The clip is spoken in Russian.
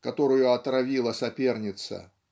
которую отравила соперница